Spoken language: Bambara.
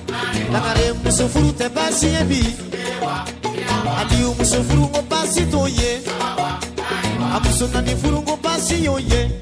tɛ muso furu tɛ bayi bi musof furukubasi t'o ye furuku baasisi y'o ye